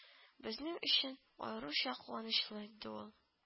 Безнең өчен аеруча куанычлы инде ул